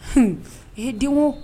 H i den o